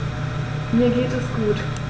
Mir geht es gut.